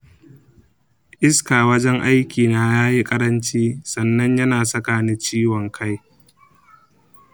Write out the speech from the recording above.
iska wajen aiki na yayi ƙaranci sannan yana saka ni ciwon kai.